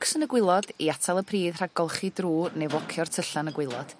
crocs yn y gwaelod i atal y pridd rhag golchi drw neu flocio'r tylla yn y gwaelod